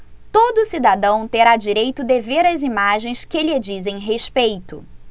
todo cidadão terá direito de ver as imagens que lhe dizem respeito